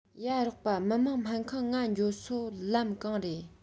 ཡ རོགས པ མི དམངས སྨན ཁང ང འགྱོ སོ ལམ གང རེད